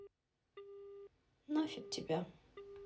нафиг тебя